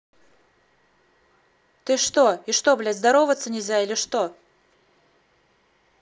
ты что и что блядь здороваться нельзя или что